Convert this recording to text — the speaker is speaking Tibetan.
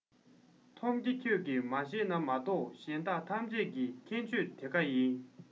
འཐོམ གྱེ ཁྱོད ཀྱིས མ ཤེས ན མ གཏོགས གཞན དག ཐམས ཅད ཀྱི མཁྱེན སྤྱོད དེ ག ཡིན